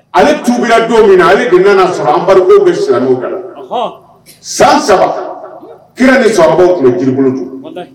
Ali tubi la don min , ale don na o y'a sɔrɔ embargo bɛ silamɛw kan, ɔhɔɔ; san 3, hunn, kira ni sahaabaw tun bɛ jiribolo dun!